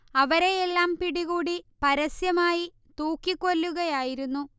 അവരെയെല്ലാം പിടികൂടി പരസ്യമായി തൂക്കിക്കൊല്ലുകയായിരുന്നു